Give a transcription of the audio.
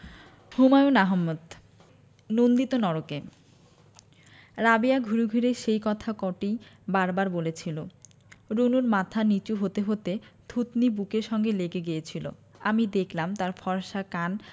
হুমায়ুন আহমদ নন্দিত নরকে রাবেয়া ঘুরে ঘুরে সেই কথা কটিই বার বার বলেছিলো রুনুর মাথা নীচু হতে হতে থুতনি বুকের সঙ্গে লেগে গিয়েছিলো আমি দেখলাম তার ফর্সা কান